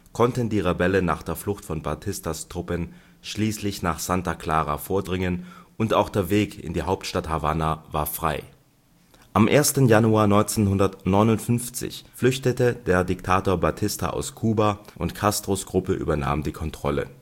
konnten die Rebellen nach der Flucht von Batistas Truppen schließlich nach Santa Clara vordringen und auch der Weg in die Hauptstadt Havanna war frei. Am 1. Januar 1959 flüchtete der Diktator Batista aus Kuba, und Castros Gruppe übernahm die Kontrolle